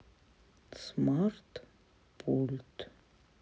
смарт пульт